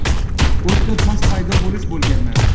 o'tda tosh paydo bo'lishi bo'lganman